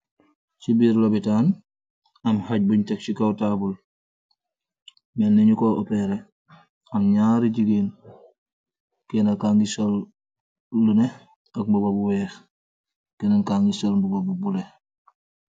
Cii birr lopitan, am hajjj bungh tek ci kaw taabul, melni nju kor ohpehreh am njarri gigain, kenah kaangui sol lunet ak mbuba bu wekh, kenen kaangui sol mbuba bu bleu.